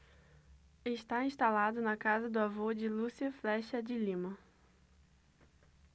está instalado na casa do avô de lúcia flexa de lima